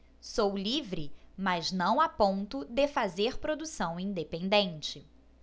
sou livre mas não a ponto de fazer produção independente